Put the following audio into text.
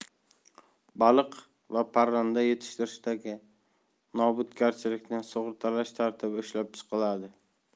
baliq va parranda yetishtirishdagi nobudgarchilikni sug'urtalash tartibi ishlab chiqiladi